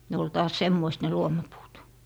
ne oli taas semmoiset ne luomapuut